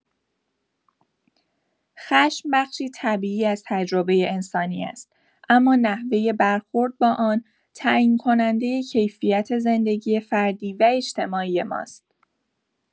خشم بخشی طبیعی از تجربه انسانی است، اما نحوه برخورد با آن تعیین‌کننده کیفیت زندگی فردی و اجتماعی ماست.